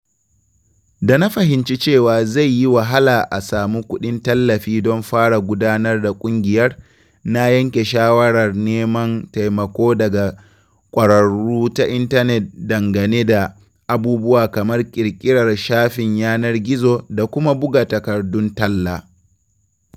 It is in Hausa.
Da na fahimci cewa zai yi wahala a samu kuɗin tallafi don fara gudanar da ƙungiyar, na yanke shawarar neman taimako daga ƙwararru ta intanet dangane da abubuwa kamar ƙirƙirar shafin yanar gizo da kuma buga takardun talla.